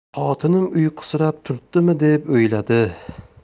xotinim uyqusirab turtdimi deb o'yladi